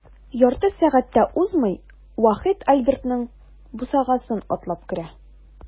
Ярты сәгать тә узмый, Вахит Альбертның бусагасын атлап керә.